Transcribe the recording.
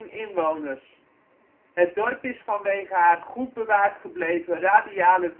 inwoners. Het dorp is vanwege haar goed bewaard gebleven radiale